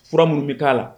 Fura minnu bɛ'a la